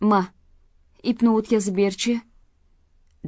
ma ipni o'tkazib ber chi